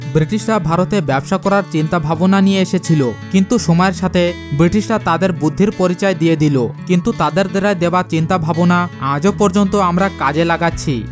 ব্রিটিশরা ভারতে ব্যবসা করার চিন্তা নিয়ে এসেছিল কিন্তু সময়ের সাথে ব্রিটিশরা তাদের বুদ্ধির পরিচয় দিয়ে দিল কিন্তু তাদের দেয়া চিন্তাভাবনা আমরা আজও পর্যন্ত কাজে লাগাচ্ছি